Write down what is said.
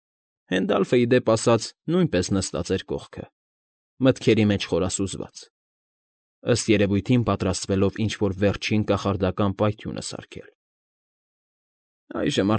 Հենդալֆը, ի դեպ ասած, նույնպես նստած էր կողքը, մտքերի մեջ խորասուզված, ըստ երևույթին պատրաստվելով ինչ֊որ վերջին կախարդական պայթյունը սարքել։ «Այժմ։